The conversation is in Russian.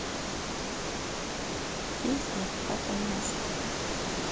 песня патамушта